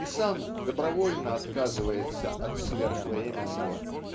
и сам добровольно отказывается от сверхвременного.